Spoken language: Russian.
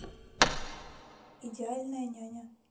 идеальная няня